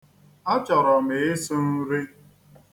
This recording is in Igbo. Achọrọ m ịsụ nri.